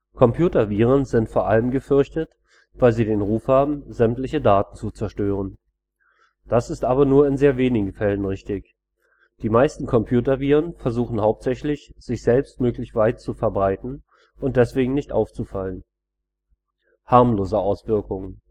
Computerviren sind vor allem gefürchtet, weil sie den Ruf haben, sämtliche Daten zu zerstören. Das ist aber nur in sehr wenigen Fällen richtig. Die meisten Computerviren versuchen hauptsächlich sich selbst möglichst weit zu verbreiten und deswegen nicht aufzufallen. Harmlose Auswirkungen